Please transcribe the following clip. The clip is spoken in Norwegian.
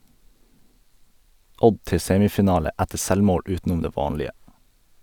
Odd til semifinale etter selvmål utenom det vanlige.